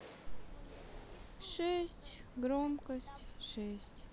шесть громкость шесть